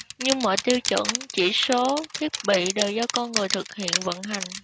nhưng mọi tiêu chuẩn chỉ số thiết bị đều do con người thực hiện vận hành